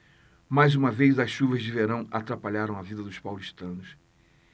mais uma vez as chuvas de verão atrapalharam a vida dos paulistanos